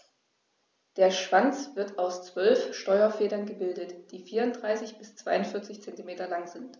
Der Schwanz wird aus 12 Steuerfedern gebildet, die 34 bis 42 cm lang sind.